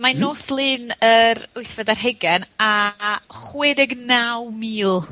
Mae'n nos Lun yr wythfed ar hugen, a a chwedeg naw mil